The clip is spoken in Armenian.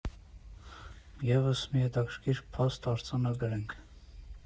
Եվս մի հետաքրքիր փաստ արձանագրենք.